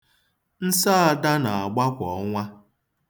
Nsọ Ada na-agba kwa ọnwa.